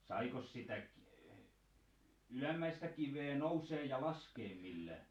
saikos sitä ylimmäistä kiveä nousemaan ja laskemaan millään